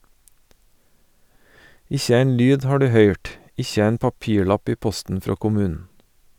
Ikkje ein lyd har du høyrt, ikkje ein papirlapp i posten frå kommunen.